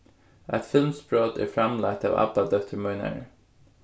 eitt filmsbrot er framleitt av abbadóttur mínari